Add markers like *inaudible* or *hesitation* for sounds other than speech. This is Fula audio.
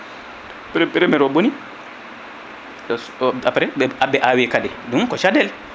premiére o booni après *hesitation* ɓe awi kadi ɗum ko caɗele